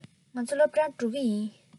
ང ཚོ སློབ གྲྭར འགྲོ གི ཡིན